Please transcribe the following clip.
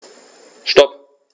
Stop.